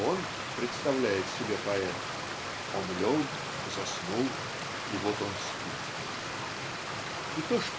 он -- представляет себе поэт -- "он лег заснул и вот он спит". И то